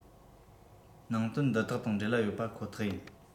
ནང དོན འདི དག དང འབྲེལ བ ཡོད པ ཁོ ཐག ཡིན